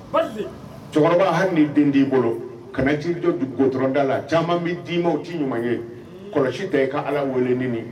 Cɛkɔrɔba hali ni den d' i bolo kana jiri dɔ dɔrɔnda la caman bɛ d'i ma ci ɲuman ye kɔlɔsi tɛ ka ala weleini